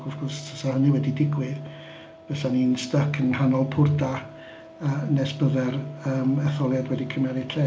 Ac wrth gwrs tasai hynny wedi digwydd baswn ni'n styc ynghanol pwrda yy nes byddai'r yym etholiad wedi cymeryd lle.